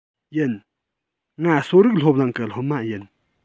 ཡིན ང གསོ རིག སློབ གླིང གི སློབ མ ཡིན